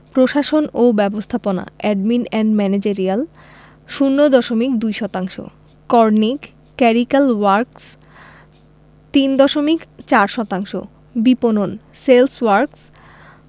প্রশাসন ও ব্যবস্থাপনা এডমিন এন্ড ম্যানেজেরিয়াল ০ দশমিক ২ শতাংশ করণিক ক্যারিক্যাল ওয়ার্ক্স ৩ দশমিক ৪ শতাংশ বিপণন সেলস ওয়ার্ক্স